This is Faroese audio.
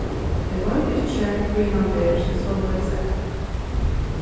eg veit ikki hví hann ber seg soleiðis at